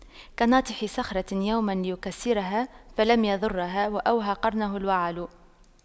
كناطح صخرة يوما ليكسرها فلم يضرها وأوهى قرنه الوعل